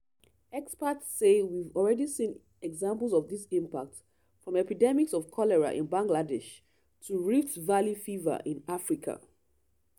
Experts say we've already seen examples of this impact, from epidemics of cholera in Bangladesh to Rift Valley fever in Africa.